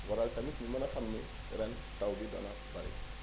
waral tamit énu mën a xam ni ren taw bi dana bari